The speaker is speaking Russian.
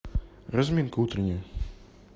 разминка утренняя